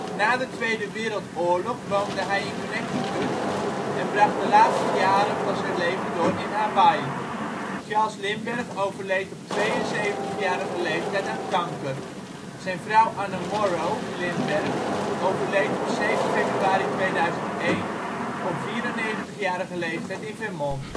Na de Tweede Wereldoorlog woonde hij in Connecticut en bracht de laatste jaren van zijn leven door in Hawaï. Charles Lindbergh overleed op 72-jarige leeftijd aan kanker. Zijn vrouw Anne Morrow Lindbergh overleed op 7 februari 2001 op 94-jarige leeftijd in Vermont